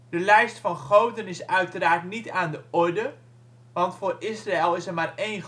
de lijst van goden is uiteraard niet aan de orde, want voor Israël is er maar 1 God